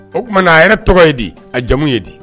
O t tumaumana na a ye ne tɔgɔ ye di a jamu ye di